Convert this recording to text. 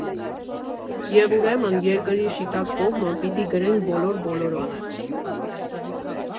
Եվ ուրեմն «Երկրի շիտակ կողմը» պիտի գրենք բոլոր֊բոլորով…